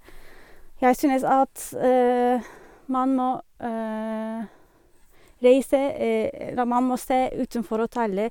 Jeg synes at man må reise, da man må se utenfor hotellet.